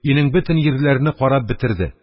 Өйнең бөтен йирләрене карап бетерде,